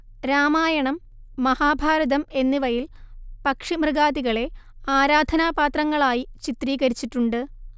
രാമായണം മഹാഭാരതം എന്നിവയിൽ പക്ഷിമൃഗാദികളെ ആരാധനാപാത്രങ്ങളായി ചിത്രീകരിച്ചിട്ടുണ്ട്